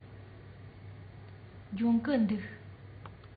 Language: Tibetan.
སྦྱོང གི འདུག